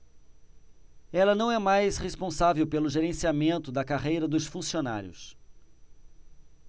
ela não é mais responsável pelo gerenciamento da carreira dos funcionários